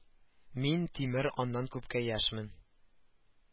Мин тимер аннан күпкә яшьмен